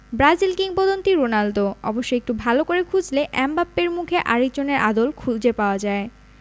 Brazil কিংবদন্তি Ronaldo অবশ্য একটু ভালো করে খুঁজলে এমবাপ্পের মুখে আরেকজনের আদল খুঁজে পাওয়া যায়